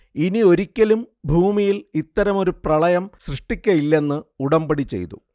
ഇനിയൊരിക്കലും ഭൂമിയിൽ ഇത്തരമൊരു പ്രളയം സൃഷ്ടിക്കയില്ലെന്ന് ഉടമ്പടി ചെയ്തു